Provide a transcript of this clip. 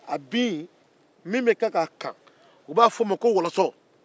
a bin min bɛ kɛ ka a kan u b'a fɔ o ma ko wɔlɔsɔ